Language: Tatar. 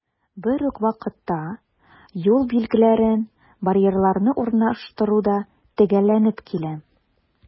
Бер үк вакытта, юл билгеләрен, барьерларны урнаштыру да төгәлләнеп килә.